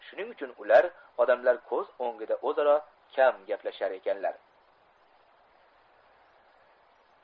shuning uchun ular odamlar ko'z o'ngida o'zaro kam gaplashar ekanlar